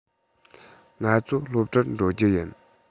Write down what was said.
ང ཚོ སློབ གྲྭར འགྲོ རྒྱུ ཡིན